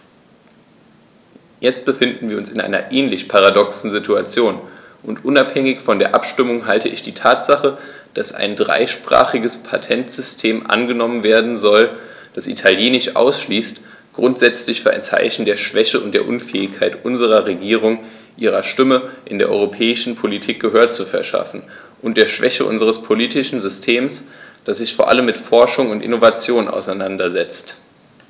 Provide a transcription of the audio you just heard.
Jetzt befinden wir uns in einer ähnlich paradoxen Situation, und unabhängig von der Abstimmung halte ich die Tatsache, dass ein dreisprachiges Patentsystem angenommen werden soll, das Italienisch ausschließt, grundsätzlich für ein Zeichen der Schwäche und der Unfähigkeit unserer Regierung, ihrer Stimme in der europäischen Politik Gehör zu verschaffen, und der Schwäche unseres politischen Systems, das sich vor allem mit Forschung und Innovation auseinandersetzt.